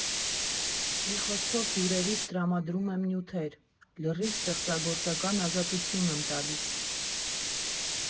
Մի խոսքով՝ հյուրերիս տրամադրում եմ նյութեր, լրիվ ստեղծագործական ազատություն եմ տալիս։